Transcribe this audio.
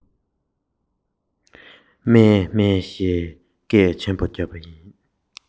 རས བཱ བཱ ཞེས སྐད བརྒྱབ པ ན